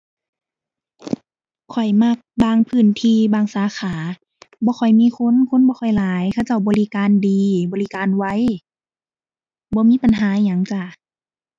ข้อยมักบางพื้นที่บางสาขา บ่ค่อยมีคน คนบ่ค่อยหลาย เขาเจ้าบริการดี บริการไว บ่มีปัญหาอิหยังจ้า